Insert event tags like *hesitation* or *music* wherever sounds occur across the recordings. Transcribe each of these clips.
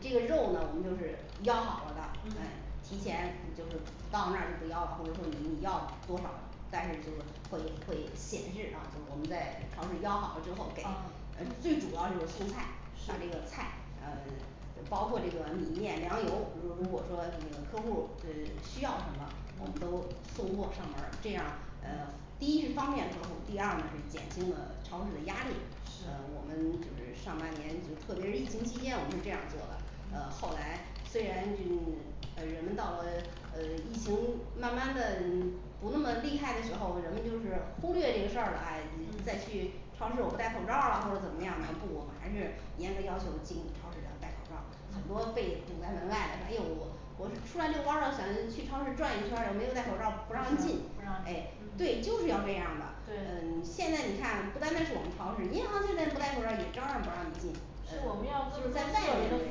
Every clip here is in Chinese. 这个肉呢我们就是要好了的哎，提嗯前就是到那儿就不要了，或者说你要多少，但是就说会会显示啊我们在超市要好了之后，给哎哦最主要就是蔬菜把这个菜是呃，包括这个米面粮油，如如果说那个客户呃需要什么，我们嗯都送货上门儿，这样儿嗯第一方面客户第二呢减轻了超市的压力，呃我是们就是上半年就特别疫情期间我们这样儿做的，呃后嗯来虽然这 *silence* 呃人到了呃疫情慢慢的不那么厉害的时候，人们就是忽略这个事儿了哎，再嗯去超市我不戴口罩儿了或者怎么样，然后我们还是严格要求进超市要戴口罩儿很多被嗯堵在门外了哎我我是出来遛弯的，反正去超市转一圈儿，也没有戴不行口罩儿不不让让进进，哎嗯对对，就是要这样的，嗯现在你看啊不单单是我们超市，银行现在不戴口罩儿也照样儿不让你进，诶就是我们要是都在外是都面的所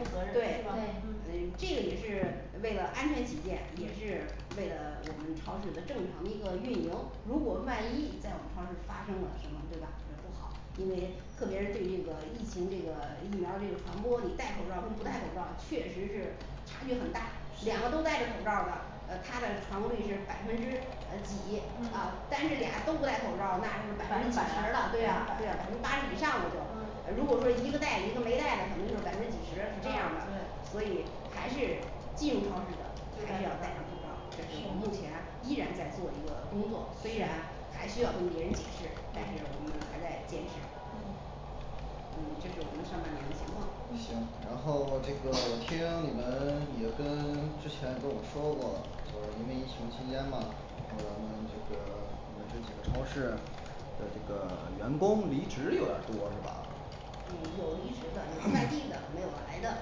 有人对都呃负责任是对这吧个？也是为了安全起见，也是嗯为了我们超市的正常的一个运营，如果万一在我们超市发生了什么对吧？这不好，因为特别是对这个疫情这个疫苗儿这个传播，你戴口罩儿不戴口罩儿确实是差距很大两个都戴着口罩儿的，呃他的传播率是百分之呃几啊，嗯但是俩都不戴口罩儿，那是百百分之分几十之了百对百百分分之八十之以上百了就，如果嗯说一个戴一个没戴的可能嗯就是百分之几十是这样的，对所以还是进入超市的还是要戴上口罩这是目前依然在做一个工作，虽然还需要跟别人解释，但是我们还在嗯坚持嗯嗯这是我们上半年的情况行，然嗯后这个听你 *hesitation* 们也跟之前跟我们说过，嗯因为疫情期间嘛咱们这个我们这几个超市的这个员工离职有点儿多是吧？嗯有离 *hesitation* 嗯职的有的外地的没对有我看来的嗯，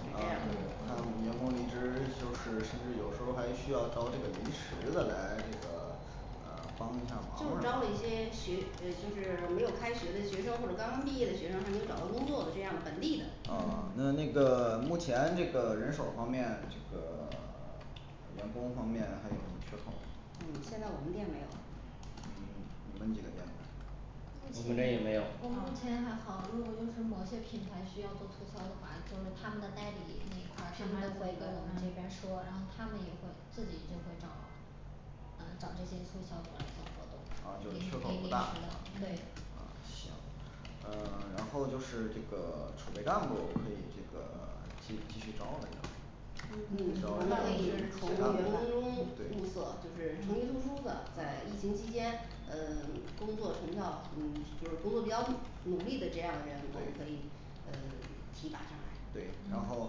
是这样员的，工离职就是甚至有时候还需要招这个临时的来这个 *silence* 呃帮一下儿就是忙招了一些什学呃么，就是没有开学的学生，或者刚刚毕业的学生，还没有找到工作的这样本地的啊嗯那个 *silence* 目前这个人手方面这个， *silence* 呃员工方面还有什么缺口嗯吗现在我们店没有。嗯你们几个店呢目我们店也没有前，我目前啊还好，如果就是某些品牌需要做促销的话，就是他们的代理那一块儿他们都会跟我们这边儿说，然后他们也会自己就会找嗯找这些促销过来做活哦动就，临临是临受时购不大的啊对。嗯行。 嗯然后就是这个储备干部可以这个继继续找我们，嗯嗯从管嗯可理从以员工注册，就对是嗯从的，在疫情期间嗯工作成效嗯就是工作比较努力的这样的人，我们可以呃提拔上来，对然嗯后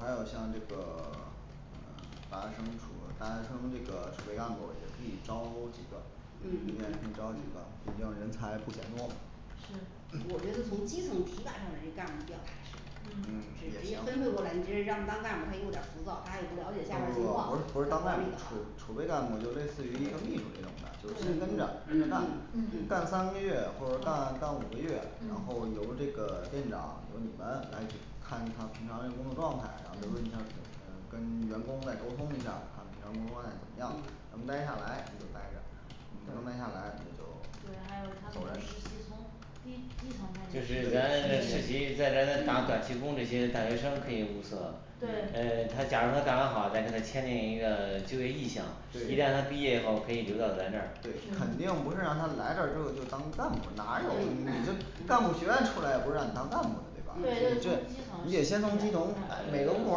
还有像这个 *silence* 呃大学生储大学生这个储备干部儿也可以招 *silence* 几个可以嗯嗯招几个，毕竟人才不嫌多嘛我是觉得从基嗯层提拔上来的干部比较踏实嗯嗯直接分配过来，你直接让他当干部儿他有点儿浮躁，不不不不是他也不了解下边儿情况，不是当办储储备干部儿，就类似于秘书那种的，就先跟着他干干嗯三个月，或者说干干五个月，然后由这嗯个店长由你们来指 *unintelligible* 看一看平常的工作状态，然后问一下嗯呃跟员工再沟通一下，他们平常工作状态怎么样，能嗯待下来那就待着，嗯不能呆下来咱们就对还有他 *silence* 走们人的实习从，一一同开就始是对咱实习再来咱打短期 *noise* 工这些大学生可以物色，对呃他假如他干的好咱给他签订一个就业意向，对对一旦他毕业以后可以留到咱这儿，呃 *silence* 肯年定嗯不是让他来，这儿之后就当干部哪儿有你这干部学院出来不是让你当干部的对你对吧？所以轻人这你得先得从从基基农层每个部门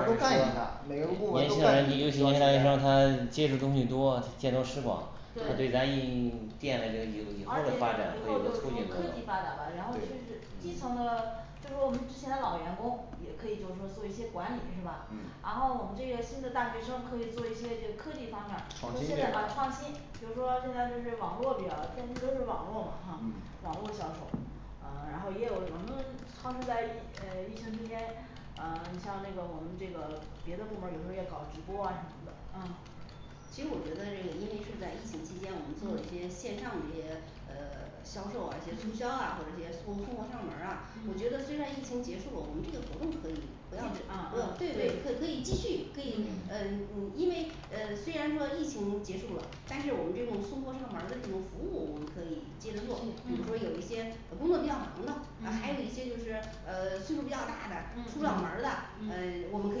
儿都干一下，每个部门儿都干一段儿尤时其间现在年轻人他接触东西多，见多识广对，而且以后就是说科这对咱一 *silence* 店嘞这个以以后的发展会有促进作用，嗯技发达了，然后就是对基层的就是说我们之前的老员工也可以就是说做一些管理是吧？然嗯后我们这个新的大学生可以做一些就是科技方面儿，就是现在啊创创新新，这个就是说现在就是网络比较现在都是网络嘛哈嗯网络销售，嗯然后也有我们超市在疫呃疫情之间，嗯像这个我们这个别的部门儿有时候也搞直播啊什么的，嗯其实我觉得这个因为是在疫情期间，我们做了一些嗯线上的一些呃销售啊，一些促销嗯啊或者一些送送货上门儿啊，我觉得虽然嗯疫情结束，我们这个活动可以一不直啊要啊对对对可可以继续可以，嗯呃因为呃虽然说疫情结束了，但是我们这种送货上门儿的这种服务我们可以接着做，比如说有一嗯些工作比较忙的，啊还有一嗯些就是呃岁数儿比较大的，出不了门嗯嗯儿的，呃我们可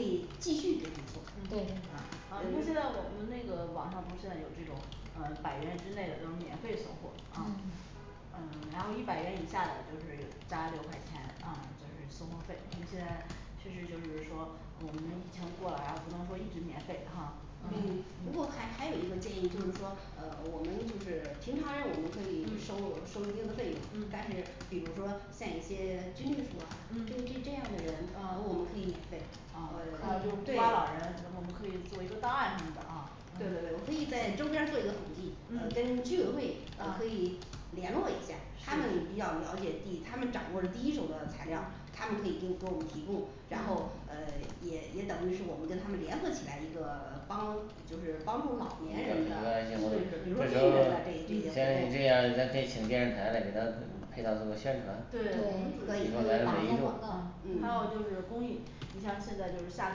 以继续给他们送对对啊啊你看现在我们那个网上不是现在有这种呃百元之内的都是免费送货啊，嗯嗯 *silence* 然后一百元以下的就是加六块钱啊就是送货费，因为现在确实就是说我们疫情过了，然后不能说一直免费哈可嗯以不过还嗯还有一个建议就是说呃我们就是平常人我们可以收收一定的费用，但是嗯比如说像一些军力处啊嗯这这这样的人，啊我们可以免费啊或还有就是者孤可以寡老人，我们可以做一个档案什么的啊，嗯嗯对对对嗯我可以在周边儿做一个统计，呃跟居委会可以啊联络一下，他们也比是较了解，是以他们掌握了第一嗯手的材料，嗯他们可以给给我们提供，然后呃嗯也也等于是我们跟他们联合起来一个 *silence* 帮就是帮助老年人的，这时候儿这这些活动，是是既然是这样，咱可以请电视台来给咱配套这个宣传对对我们组可以可织以啊打一下广啊，告还有就是公益，你像就是现在夏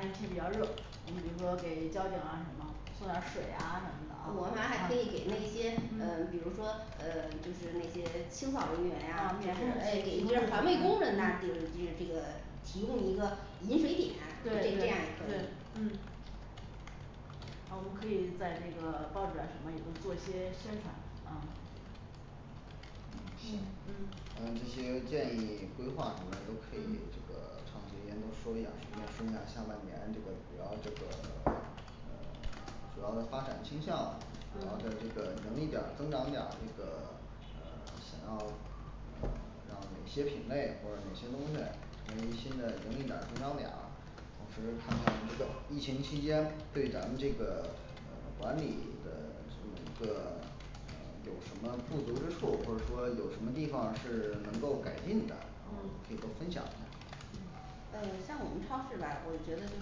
天天比较热，我们比如说给交警啊什么送点儿水啊什么的啊，啊嗯我嗯们还嗯可以给那些嗯比如说呃就是那些清扫人员呀免哎费环卫工人呐就就嗯嗯是这个 *silence* 提供一个饮水点我觉对对得这对样也可以嗯啊我们可以在这个报纸啊什么也都做一些宣传啊嗯行，那嗯这嗯些建议规划什么都可以这嗯个长时间都说一下，什么时候生产下半年这个主要这个 *silence* 呃 *silence* 主要的发展倾向，然后在这嗯个盈利点儿增长点儿这个 *silence* 呃 *silence* 想要呃让有些品类或者有些东西为新的盈利点儿增长点儿，同时看看这个疫情期间对咱们这个呃管理的是哪个 *silence* 呃有什么不足之处，或者说有什么地方是能够改进的这个嗯分享嗯嗯像我们超市吧，我觉得就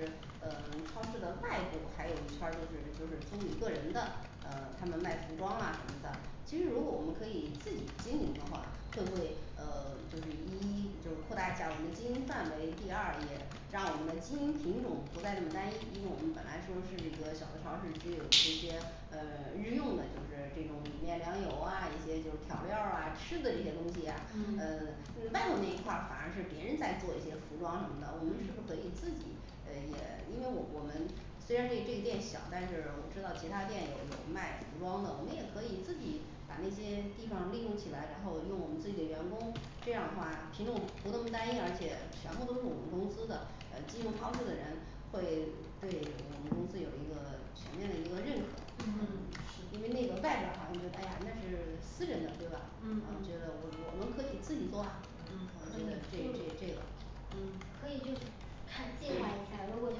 是呃我们超市的外部还有一圈儿就是就是租给个人的，呃他们卖服装啊什么的其实如果我们可以自己经营的话，会不会呃就是一就扩大一下儿我们经营范围。 第二也让我们的经营品种不再那么单一，因为我们本来说是一个小的超市，只有这些呃日用的就是这种米面粮油啊，一些就调料儿啊吃的这些东西啊，嗯嗯外头那一块儿反而是别人在做一些服装什么的，我们是不是可嗯以自己呃也因为我我们虽然这个这个店小，但是我们知道其他店有有卖服装的，我们也可以自己把那些地方利用起来，然后用我们自己的员工，这样的话品种不那么单一，而且全部都是我们公司的呃进入超市的人，会对我们公司有一个全面的一个认可嗯，因为嗯那个是外边儿的话你觉得哎呀那是私人的对吧？ 嗯啊觉得我们嗯我们可以自己做啊。嗯这可以这这就个可以就嗯是看计划一下，如果就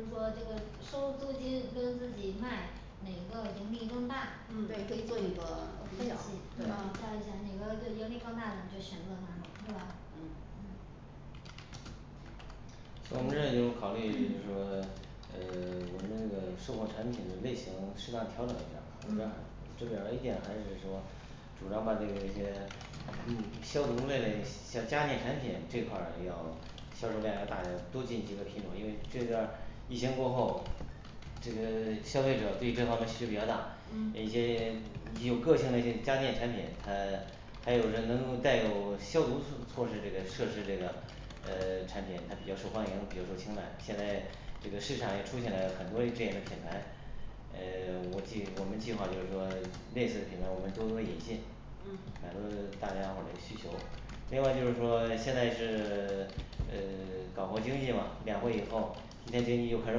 是说这个收租金跟自己卖哪个盈利更大，分析对，可以嗯做一做比比较较嗯一嗯下哪个盈利更大的咱们就选择哪种是吧？嗯嗯所以我们这儿就嗯考虑就是说 *hesitation* 呃我们的这个售后产品的类型适当调整一下儿，调价儿嗯这边儿A店还是说主张把这个一些消嗯毒类，像家电产品这块儿要销售量要大的多进几个品种，因为这边儿疫情过后，这个 *silence* 消费者对这方面需求比较大，一嗯些 *silence* 有个性的这个家电产品，它 *silence* 还有的能够带有消毒措措施这个设施这个，呃产品它比较受欢迎，比较受青睐，现在这个市场也出现了很多这样的品牌。呃我计于我们计划就是说类似品牌我们多多引进满嗯足大家伙儿的需求。另外就是说现在是 *silence* 呃 *silence* 搞活经济嘛两会以后嗯，地摊经济又开始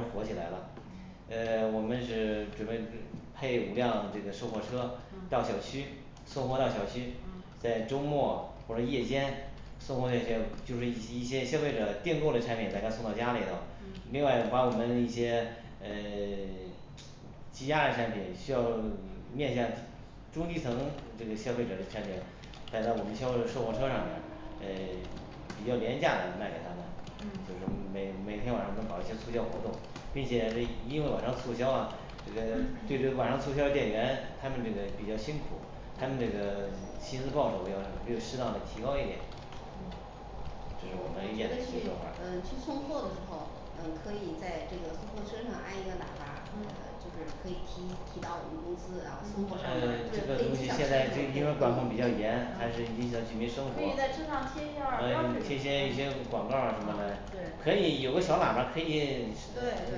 火起来了，嗯呃我们是准备配五辆这个售货车到小嗯区送货到小区，嗯在周末或者夜间送货那些就是以一些消费者订购的产品给他送到家里头，另嗯外把我们一些呃 *silence* 积压的产品需要面向中低层这个消费者的产品改到我们销售售货车上面儿，呃比较廉价的卖给他们，就是嗯每每天晚上都搞一些促销活动，并且这因为晚上促销啊这个对这个晚上 *hesitation* 促销店员他们这个比较辛苦，他们这嗯个薪资报酬要要适当的提高一点嗯儿这是开车我们A店一些计去呃去送货的时划，候嗯可以在这个送货车上安一个喇叭，就嗯是可以提提到我们公嗯对啊司，然后送货上门呃儿这个东西现在这个一个管控比较严，还是影响居民生活，可以在车上啊贴一下儿标志贴一些一些广告儿什什么么的啊啊的，对可以有个小喇叭儿可以对对，嗯不要不嗯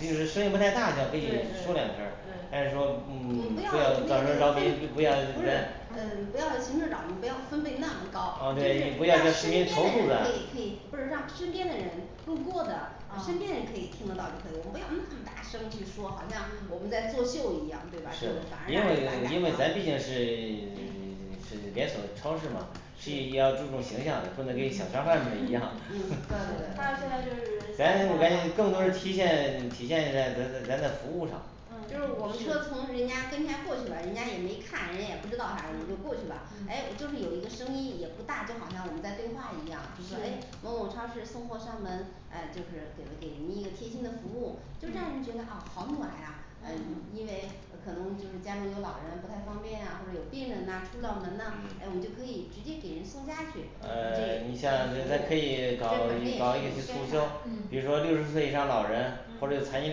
这个声音不太大，可以说两对句儿，对但是说对嗯不要到时候着急，不要咱是嗯嗯对不不要让要居形势涨你不要分贝那么高，你可以让身民边投的人可以可以不是让身边的人路诉过咱的，身边人可啊以听得到你可以不要那么大声去说，好像我们在做秀一样对吧？这是种反而因让大为家，因为咱毕竟是 *silence* 是连锁超市嘛所以要注重形象，不是能跟小商贩一样对 *noise*，他现在就是 *noise* *silence* 夏咱天了是吧在更多是体现嗯体现在咱的咱的服务上就是我说从嗯是人家跟前过去了，人家也没看，人家嗯也嗯不知道啥我们就过去了，哎这么有一个声音也不大，就好像我们在对话一样，就是哎是某某超市送货上门哎就是给给您一个贴心的服务，就让人觉得嗯啊好暖啊。 嗯因嗯为可能是家里有老人不太方便啊，或者有病人呐出不了门呐嗯，哎我们就嗯可以直接给人送家去呃 *silence* 你像这咱可以搞搞一些促销，比如说六十嗯岁以上老人或者有残疾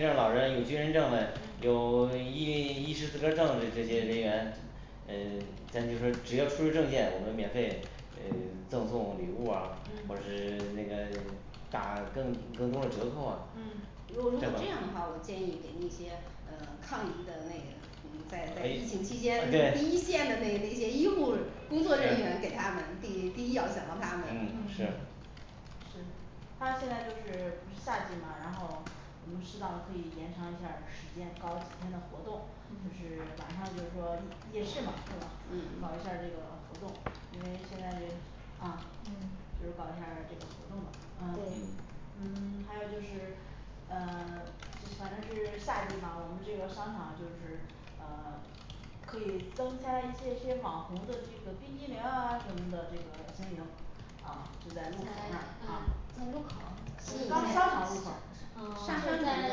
证老人，有军人证嘞，嗯有医医师资格儿证儿嘞这这些人员，呃咱就说只要出示证件，我们免费呃赠送礼物儿啊或者是嗯那个打更更多的折扣啊。嗯如果说这这样的话，我样建议给那些呃抗役的那个，嗯在在在疫情期疫间，一对线的那那些医务工作人员给他们，第第一要想到他们嗯是嗯是他现在就是不是夏季吗？然后我们适当的可以延长一下儿时间，搞几天的活动就是晚嗯上就是说夜市嘛是吧嗯？搞一下儿这个嗯活动，因为现在这啊就是搞一嗯下儿这个活动嘛嗯， *silence* 嗯对嗯还有就是呃 *silence* 反正是夏季嘛我们这个商场就是呃可以增加一些些网红的这个冰激凌啊什么的这个经营，啊就在在路口儿那儿啊啊，商路口儿还是在商商场路口商 *unintelligible* 儿啊上商 *silence* 场就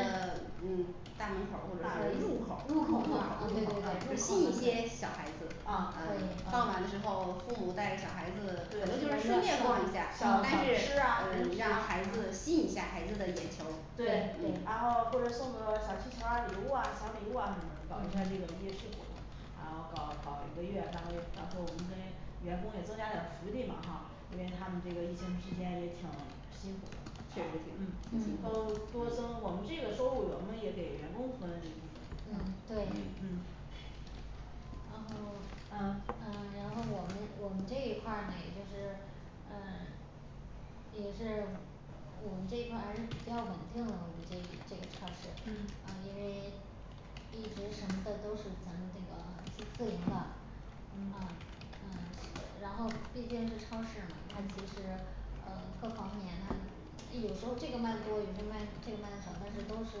在可嗯以大门入口儿口或者大儿门入那口儿啊对对儿，就对是吸引入一口些小儿孩子那，儿呃可以傍晚的时候父母带着小孩子，可能就是顺便逛一下但嗯是呃让孩子吸一下孩子的眼啊啊球对儿，对，然对后或者送个小气球儿啊礼物啊小礼物啊什么的，搞一下这个嗯夜市活动然后搞搞一个月半个月，到时候儿我们给员工也增加点儿福利嘛哈，因为他们这个疫情期间也挺辛苦的，确实是嗯挺都嗯都都我们这个收入，我们也给员工分了一嗯部嗯分对。 嗯嗯然后 *silence* 嗯嗯然后我们我们这一块儿呢也就是嗯也是我们这一块儿还是比较稳定的，我们这我们超市嗯嗯因为 *silence* 一直什么的都是咱们这个自自营的，啊嗯嗯呃然后毕竟是超市嘛，它其实呃各方面他有时候这个卖的多，有时候卖这个卖的少，但是都是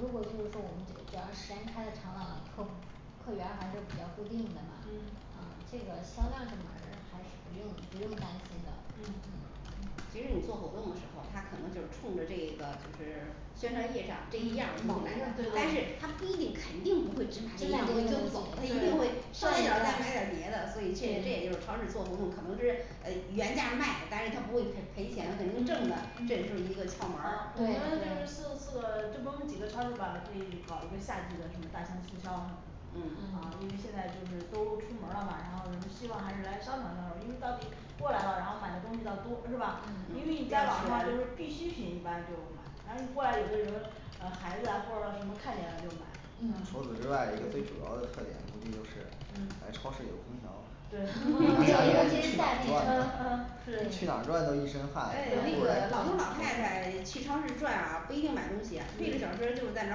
如果就是说我们九 *unintelligible* 主要时间开的长了，客客源儿还是比较固定的嘛嗯啊，这个销量什么还是不用不用担心的，嗯嗯这个你做嗯活动的时候，他可能就是冲着这个就是 *silence* 宣传页上这一嗯样嗯，对但是对他不一定肯定不会去买这个东西，他一定会转他应一该转还再对买点儿别的，所以其实这也就是超市做活动可能是呃原价卖，但是他不会赔赔钱的，肯定挣得，这也就是一啊我们个窍门儿对就是四对四个这都几个超市吧可以搞一个夏季的什么大型促销啊什么，啊因为嗯嗯现在就是都出门儿了嘛，然后人希望还是来商场销售，因为到底过来了，然后买的东西倒多是吧？因为嗯嗯你在网上就是必需品一般就买反正你过来有的人啊孩子啊或者什么看见了就买。嗯嗯除此之嗯外有一个最主要的特点无非就是咱超市有空调，*noise* 对尤大对夏天你其去是哪夏儿天 *noise* 嗯是对对转，去哪儿转都嗯一身汗哎还对不这如个来老超头老对太太去市呢超市转啊，不一定买东西啊，推着小车儿就是在那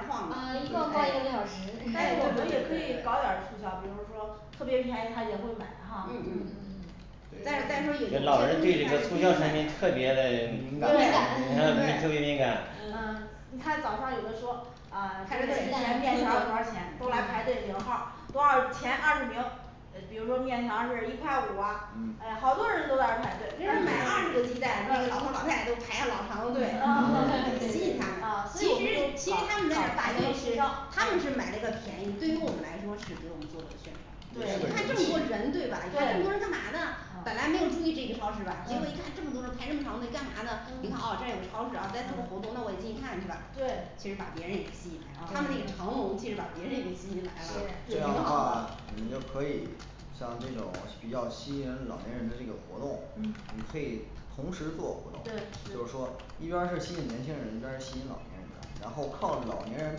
儿晃的嗯一逛逛一个小时但是我们也可以搞点儿，*noise* 促销，比如说特别便宜他也会买，然后嗯嗯嗯嗯嗯但但是有老的人对对对这促销产品特别的敏感敏感，特别敏 *noise* 感，嗯嗯你看早上有的时候儿啊带来面条多少钱都来排队领号嗯儿，多少前二十名呃比如说面条儿是一块五啊，哎呀好多嗯人都在这儿排队，人家嗯买二啊十所以个我鸡蛋，那老头 *noise* 对对对老太太都排了老长队，其们实就其实他们在搞这搞儿大排队型促是销他们是买了个便宜，对于我们来说是嗯给我们做了宣传，一看这对么多人对对吧？这么多人干嘛呢？ 本来嗯没有注意这个超市吧，结果一看这嗯么多人排这么长队干嘛呢，一看哦这儿有个超市嗯哦在做活动，那我嗯也进去看是吧？其实把别人也对吸引来了他们这个长龙其实把对别人也吸引来了就这样的挺是好话的，你就可以像这种比较吸引老年人的这个活嗯对是动，你可以同时做活动，就是说一边儿是吸引年轻人一边儿是吸引老年人的，然后靠老年人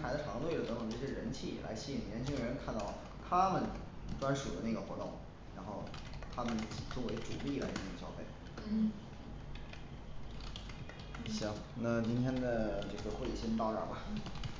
排着长队的，等等这些人气来吸引年轻人，看到他们专属的那个活动然后他们作为主力来进行消费。嗯嗯行，嗯那今天的 *silence* 这个会议先到这儿吧。嗯